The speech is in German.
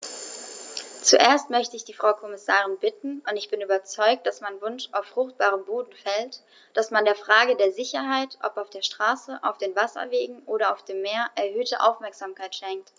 Zuerst möchte ich die Frau Kommissarin bitten - und ich bin überzeugt, dass mein Wunsch auf fruchtbaren Boden fällt -, dass man der Frage der Sicherheit, ob auf der Straße, auf den Wasserwegen oder auf dem Meer, erhöhte Aufmerksamkeit schenkt.